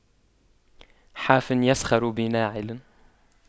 حافٍ يسخر بناعل